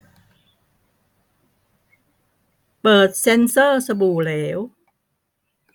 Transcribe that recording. เปิดเซ็นเซอร์สบู่เหลว